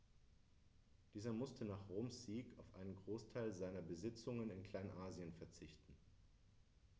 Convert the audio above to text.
Dieser musste nach Roms Sieg auf einen Großteil seiner Besitzungen in Kleinasien verzichten.